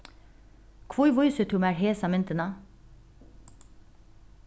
hví vísir tú mær hesa myndina